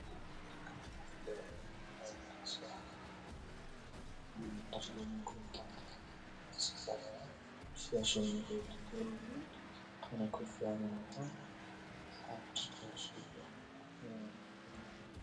Waa niman ciidan ah waxey wataan dhar ka militiriga